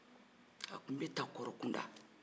a tun bɛ ta kɔrɔ kun da